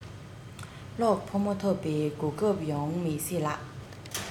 གློག ཕོ མོ འཐབས པའི གོ སྐབས ཡོང མི སྲིད ལ